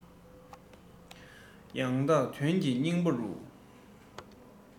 ཡང དག དོན གྱི སྙིང པོ རུ